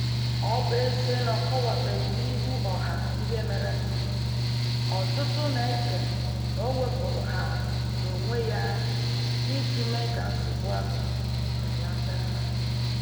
Ọ bụ ezie na ọ kọwabeghị n'ihu ọha ihe merenụ, ọtụtụ na-eche na o wepụrụ ha n'onwe ya iji mee ka nsogbu ahụ belata.